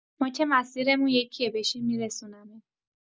ما که مسیرمون یکیه، بشین می‌رسونمت.